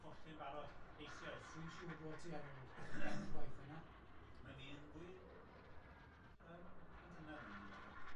...colli'n barod, eisioes. Dwi'n siŵr bo' ti ar ôl gwaith yna. Ma' fi'n fwy'n yym plentynedd na un di falle.